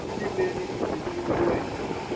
В Библии о ней, действительно, не говорится